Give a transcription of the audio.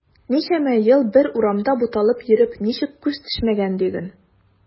Ничәмә ел бер урамда буталып йөреп ничек күз төшмәгән диген.